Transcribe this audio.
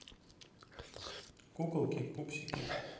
куколки пупсики